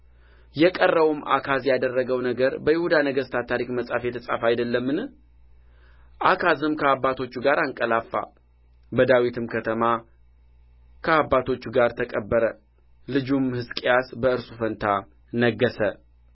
የቀረውም አካዝ ያደረገው ነገር በይሁዳ ነገሥታት ታሪክ መጽሐፍ የተጻፈ አይደለምን አካዝም ከአባቶቹ ጋር አንቀላፋ በዳዊትም ከተማ ከአባቶቹ ጋር ተቀበረ ልጁም ሕዝቅያስ በእርሱ ፋንታ ነገሠ